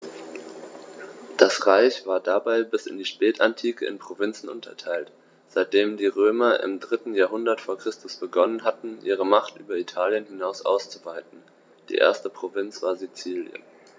Das Reich war dabei bis in die Spätantike in Provinzen unterteilt, seitdem die Römer im 3. Jahrhundert vor Christus begonnen hatten, ihre Macht über Italien hinaus auszuweiten (die erste Provinz war Sizilien).